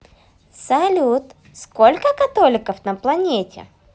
салют сколько католиков на планете